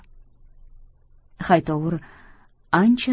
haytovur ancha